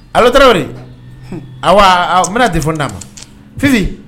Ala tarawele n bɛna de fɔ d'a ma fi